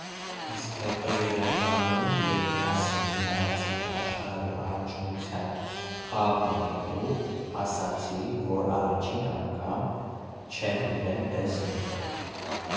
Իսկ հետո Երևանում, երբ միասին գնացինք աշխարհի առաջնության խաղ նայելու, ասացի, որ առաջին անգամ չեմ իրեն տեսնում։